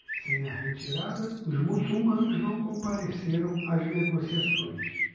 sem a retirada os muçulmanos não compareceram às negociações